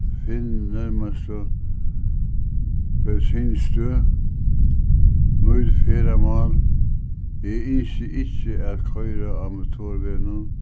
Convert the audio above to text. finn nærmastu bensinstøð nýt ferðamál eg ynski ikki at koyra á motorvegnum